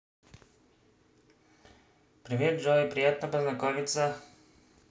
привет джой приятно познакомиться